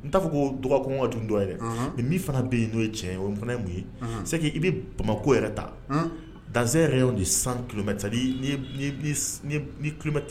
N'a fɔ ko dɔgɔ nin fana bɛ yen n'o ye cɛ o fana ye mun ye i bɛ bamakɔko yɛrɛ ta dan yɛrɛ y' ni san kuloma sali kulo tɛ